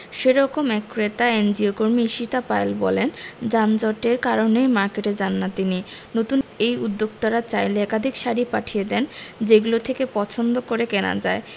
সে রকম এক ক্রেতা এনজিওকর্মী ঈশিতা পায়েল বলেন যানজটের কারণেই মার্কেটে যাননি তিনি নতুন এই উদ্যোক্তারা চাইলে একাধিক শাড়ি পাঠিয়ে দেন যেগুলো থেকে পছন্দ করে কেনা যায়